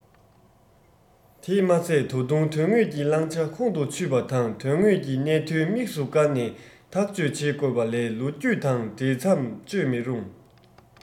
དེས མ ཚད ད དུང དོན དངོས ཀྱི བླང བྱ ཁོང དུ ཆུད པ དང དོན དངོས ཀྱི གནད དོན དམིགས སུ བཀར ནས ཐག གཅོད བྱེད དགོས པ ལས ལོ རྒྱུས དང འབྲེལ མཚམས གཅོད མི རུང